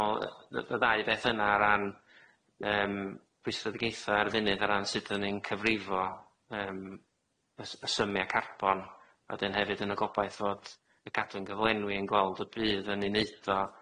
So ie dwi me'wl yy y ddau beth yna o ran yym pwysreddgeitha ar y funud o ran sud o'n i'n cyfrifo yym y s- y symia carbon a wedyn hefyd yn y gobaith fod y cadwyn gyflenwi yn gweld y pridd o'n i'n neud o.